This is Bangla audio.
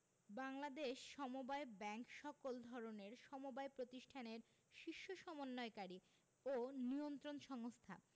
বাংলাদেশ সমবায় ব্যাংক সকল ধরনের সমবায় প্রতিষ্ঠানের শীর্ষ সমন্বয়কারী ও নিয়ন্ত্রণ সংস্থা